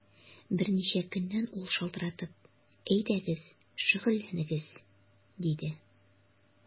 Берничә көннән ул шалтыратып: “Әйдәгез, шөгыльләнегез”, диде.